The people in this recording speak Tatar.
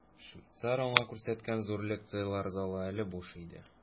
Швейцар аңа күрсәткән зур лекцияләр залы әле буш иде.